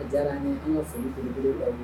A diyara ni an ka foli filiele la